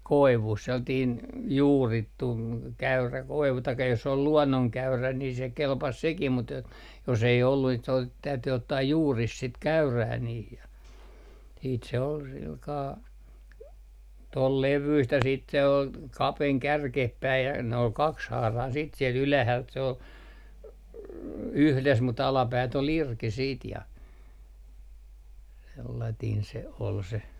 koivusta sellainen juurittu käyrä koivu tai jos oli luonnonkäyrä niin se kelpasi sekin mutta että jos ei ollut sitten se - täytyi ottaa juuri sitä käyrää niin ja sitten se oli sillä kalella tuon levyistä ja sitten se oli kapeni kärkeen päin ja ne oli kaksihaarainen sitten siellä ylhäältä se oli yhdessä mutta alapäät oli irti sitten ja sellainen se oli se